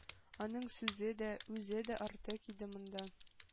Аның сүзе дә, үзе дә артык иде монда.